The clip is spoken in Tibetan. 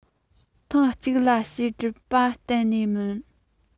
ཐེངས གཅིག ལ དབྱིབས གྲུབ པ གཏན ནས མིན